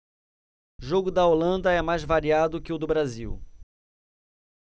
jogo da holanda é mais variado que o do brasil